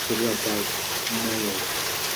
tiriogaeth newydd,